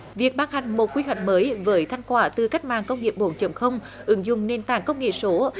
việc ban hành một quy hoạch mới với thành quả từ cách mạng công nghiệp bốn chấm không ứng dụng nền tảng công nghệ số